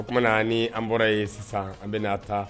O tumana na ni an bɔra yen sisan an bɛna na taa